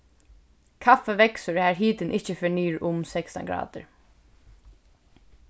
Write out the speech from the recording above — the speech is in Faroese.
kaffi veksur har hitin ikki fer niður um sekstan gradir